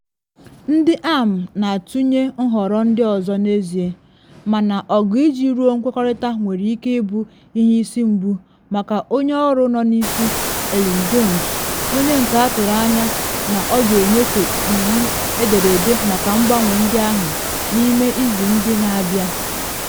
Ndị AM na atụnye nhọrọ ndị ọzọ n’ezie, mana ọgụ iji ruo nkwekọrịta nwere ike ịbụ ihe isi mgbu maka Onye Ọrụ Nọ N’isi, Elin Jones, onye nke atụrụ anya na ọ ga-enyefe iwu edere edere maka mgbanwe ndị ahụ n’ime izu ndị na abịa.